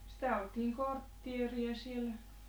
sitä oltiin kortteeria siellä